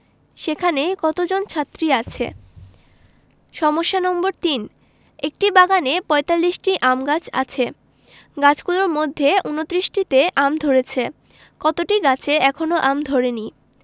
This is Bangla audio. সেখানে কতজন ছাত্রী আছে সমস্যা নম্বর ৩ একটি বাগানে ৪৫টি আম গাছ আছে গাছগুলোর মধ্যে ২৯টিতে আম ধরেছে কতটি গাছে এখনও আম ধরেনি